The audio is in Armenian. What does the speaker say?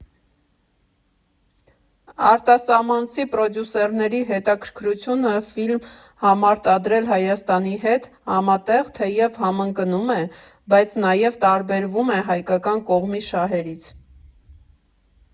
Արտասահմանցի պրոդյուսերների հետաքրքրությունը ֆիլմ համարտադրել Հայաստանի հետ համատեղ թեև համընկնում է, բայց նաև տարբերվում է հայկական կողմի շահերից։